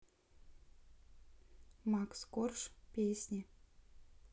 макс корж песни